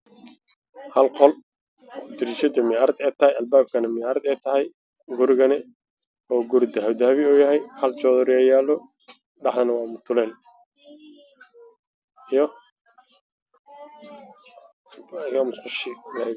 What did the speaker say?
Meeshan waxaa iga muuqda hal qol oo albaabku uu muraayad yahay dariishadana ay muraayad tahay